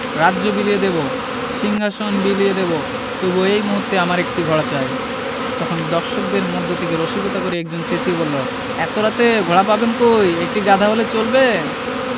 রাজ্য বিলিয়ে দেবো সিংহাশন বিলিয়ে দেবো তবু এই মুহূর্তে আমার একটি ঘোড়া চাই তখন দর্শকদের মধ্য থেকে রসিকতা করে একজন চেঁচিয়ে বললো এত রাতে ঘোড়া পাবেন কই একটি গাধা হলে চলবে